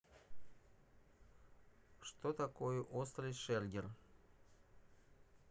что такое острый шергер